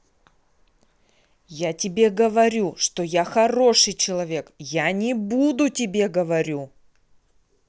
я тебе говорю что я хороший человек я не буду тебе говорю